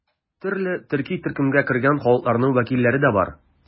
Төрле төрки төркемгә кергән халыкларның вәкилләре дә бар.